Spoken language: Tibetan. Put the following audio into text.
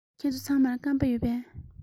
ཁྱེད ཚོ ཚང མར སྐམ པ ཡོད པས